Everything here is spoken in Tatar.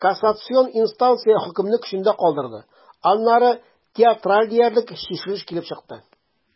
Кассацион инстанция хөкемне көчендә калдырды, аннары театраль диярлек чишелеш килеп чыкты.